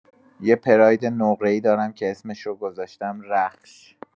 یه پراید نقره‌ای دارم که اسمش رو گذاشتم «رخش».